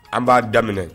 An b'a daminɛ